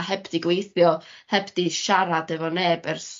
heb 'di gweithio heb 'di siarad efo neb ers